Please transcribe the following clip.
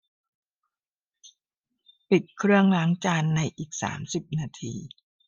ปิดเครื่องล้างจานในอีกสามสิบนาที